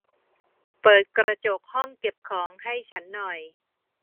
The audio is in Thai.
เปิดกระจกห้องเก็บของให้ฉันหน่อย